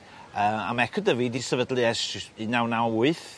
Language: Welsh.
yy a ma' Eco-Dyfi 'di sefydlu ers js- un naw naw wyth.